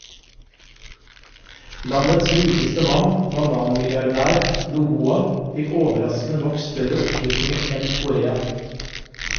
Landets rikeste mann , bananmilliardær Noboa, fikk overraskende nok større oppslutning enn Correa.